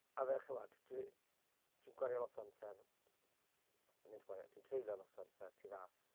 A fel chimod, dwi dwi'n gwario lot o amser nid gwario dwi'n treulio lot o amser tu fas.